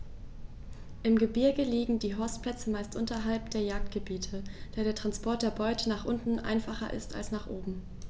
Im Gebirge liegen die Horstplätze meist unterhalb der Jagdgebiete, da der Transport der Beute nach unten einfacher ist als nach oben.